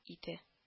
Иде